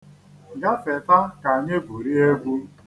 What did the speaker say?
Gafeta ka anyị gwurie egwu.